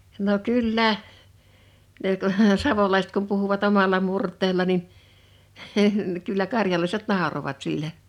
no kyllä ne kun savolaiset kun puhuvat omalla murteella niin kyllä karjalaiset nauroivat sille